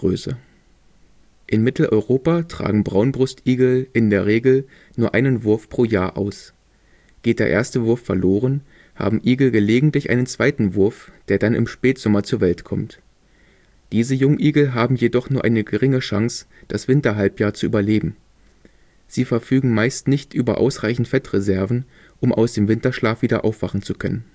In Mitteleuropa tragen Braunbrustigel in der Regel nur einen Wurf pro Jahr aus. Geht der erste Wurf verloren, haben Igel gelegentlich einen zweiten Wurf, der dann im Spätsommer zur Welt kommt. Diese Jungigel haben jedoch nur eine geringe Chance, das Winterhalbjahr zu überleben. Sie verfügen meist nicht über ausreichend Fettreserven, um aus dem Winterschlaf wieder aufwachen zu können